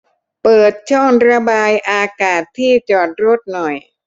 เปิดช่องระบายอากาศที่จอดรถหน่อย